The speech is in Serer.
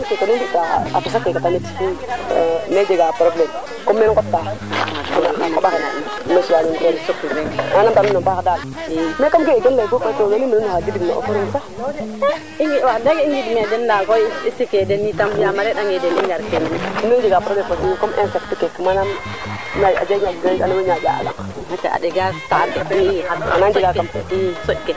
a produit in daal ngasiya yiin kene ndaw ke wala mami fe ale i comme ki in mbañ teel produit fe parce que produit fe ale ba former tuuna tena fiya ta wiin we a cira ke ten taxu de lal gana in ke i una kaana fo laaj fo saafu o xooƴin no binong ten ref ke i produit ta